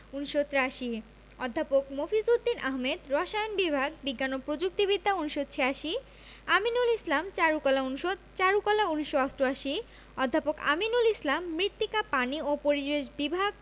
১৯৮৩ অধ্যাপক মফিজ উদ দীন আহমেদ রসায়ন বিভাগ বিজ্ঞান ও প্রযুক্তি বিদ্যা ১৯৮৬ আমিনুল ইসলাম চারুকলা অনুষদ চারুকলা ১৯৮৮ অধ্যাপক আমিনুল ইসলাম মৃত্তিকা পানি ও পরিবেশ বিভাগ